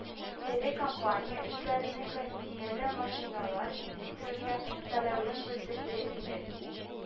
Эре компания үзләренең россиядә машиналар җитештерергә теләвен белдерде инде